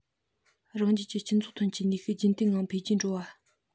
རང རྒྱལ གྱི སྤྱི ཚོགས ཐོན སྐྱེད ནུས ཤུགས རྒྱུན མཐུད ངང འཕེལ རྒྱས འགྲོ བ